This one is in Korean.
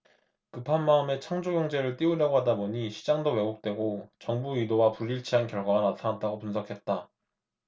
급한 마음에 창조경제를 띄우려고 하다 보니 시장도 왜곡되고 정부 의도와 불일치한 결과가 나타났다고 분석했다